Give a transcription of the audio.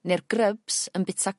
ne'r grybs yn bita